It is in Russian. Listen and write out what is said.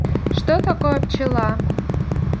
что такое пчела